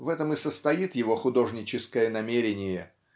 в этом и состоит его художническое намерение